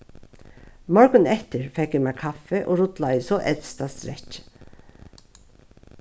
morgunin eftir fekk eg mær kaffi og rullaði so evsta strekkið